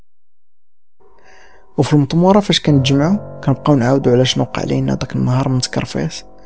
وفي ايش كنت جمعه جامعه ودعوه ليش ما قاعدين ذاك النهار من سكارفيس